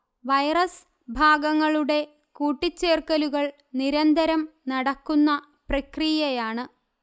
virus ഭാഗങ്ങളുടെ കൂട്ടിച്ചേർക്കലുകൾ നിരന്തരം നടക്കുന്ന പ്രക്രിയയാണ്